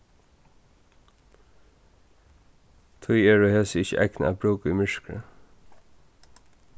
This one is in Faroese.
tí eru hesi ikki egnað at brúka í myrkri